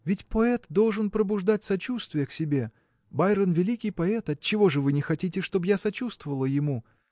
– ведь поэт должен пробуждать сочувствие к себе. Байрон великий поэт отчего же вы не хотите чтоб я сочувствовала ему?